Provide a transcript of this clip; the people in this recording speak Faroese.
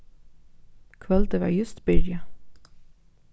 kvøldið var júst byrjað